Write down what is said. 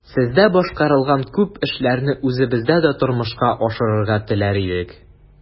Сездә башкарылган күп эшләрне үзебездә дә тормышка ашырырга теләр идек.